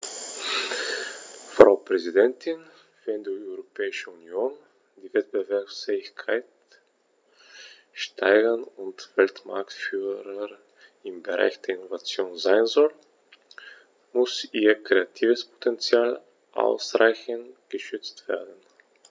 Frau Präsidentin, wenn die Europäische Union die Wettbewerbsfähigkeit steigern und Weltmarktführer im Bereich der Innovation sein soll, muss ihr kreatives Potential ausreichend geschützt werden.